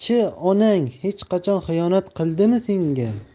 qachon xiyonat qildimi senga